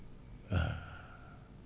ahh